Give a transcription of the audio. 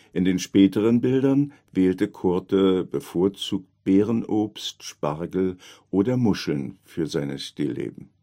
In den späteren Bildern wählte Coorte bevorzugt Beerenobst, Spargel oder Muscheln für seine Stillleben